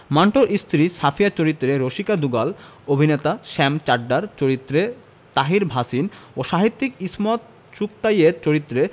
মান্টোর স্ত্রী সাফিয়া চরিত্রে রসিকা দুগাল অভিনেতা শ্যাম চাড্ডার চরিত্রে তাহির ভাসিন ও সাহিত্যিক ইসমত চুগতাইয়ের চরিত্রে